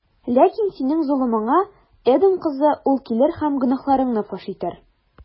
Ләкин синең золымыңа, Эдом кызы, ул килер һәм гөнаһларыңны фаш итәр.